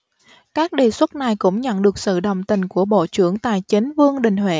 các đề xuất này cũng nhận được sự đồng tình của bộ trưởng tài chính vương đình huệ